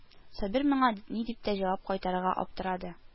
Сабир моңа ни дип тә җавап кайтарырга аптырады